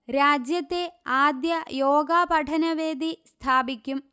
രാജ്യത്തെ ആദ്യ യോഗാ പഠന വേദി സ്ഥാപിക്കും